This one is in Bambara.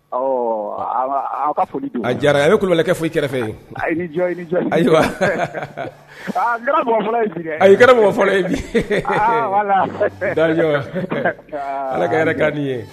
Ɔ a diyara a ye kulubalilakɛ foyi kɛrɛfɛ fɛ ayiwa a kɛra mɔgɔ ala ka yɛrɛ ka ye